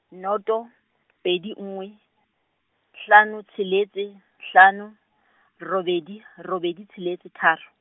noto , pedi nngwe, hlano tsheletse, hlano , robedi, robedi tsheletse tharo.